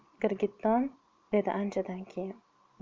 girgitton dedi anchadan keyin